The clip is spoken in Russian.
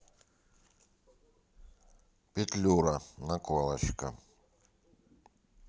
петлюра наколочка